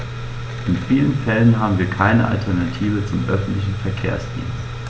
In vielen Fällen haben wir keine Alternative zum öffentlichen Verkehrsdienst.